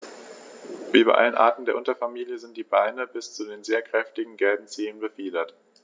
Wie bei allen Arten der Unterfamilie sind die Beine bis zu den sehr kräftigen gelben Zehen befiedert.